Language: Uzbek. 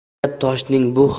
ajab toshning bu